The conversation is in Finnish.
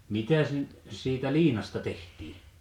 mitäs - siitä liinasta tehtiin